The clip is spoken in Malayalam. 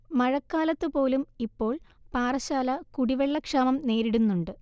മഴക്കാലത്ത് പോലും ഇപ്പോൾ പാറശ്ശാല കുടിവെള്ളക്ഷാമം നേരിടുന്നുണ്ട്